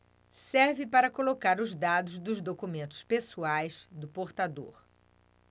serve para colocar os dados dos documentos pessoais do portador